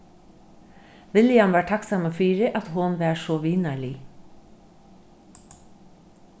william var takksamur fyri at hon var so vinarlig